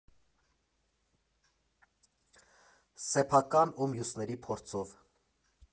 Սեփական ու մյուսների փորձով։